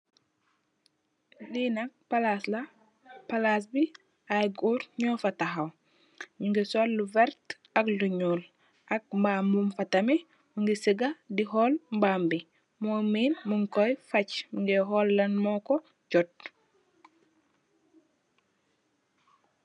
Lee nak plase la plase be aye goor nufa taxaw nuge sol lu verte ak lu ñuul ak maam nufa tamin muge sega de hol maam be mumen mug kuye facc muge hol lan moku jut.